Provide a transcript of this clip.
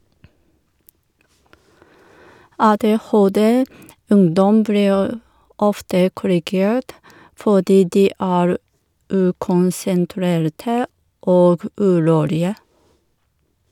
- ADHD- ungdom blir ofte korrigert fordi de er ukonsentrerte og urolige.